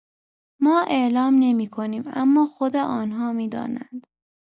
ما اعلام نمی‌کنیم اما خود آن‌ها می‌دانند.